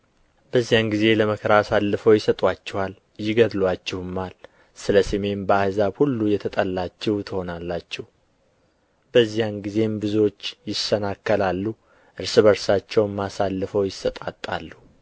በዚያን ጊዜ ለመከራ አሳልፈው ይሰጡአችኋል ይገድሉአችሁማል ስለ ስሜም በአሕዛብ ሁሉ የተጠላችሁ ትሆናላችሁ በዚያን ጊዜም ብዙዎች ይሰናከላሉ እርስ በርሳቸውም አሳልፈው ይሰጣጣሉ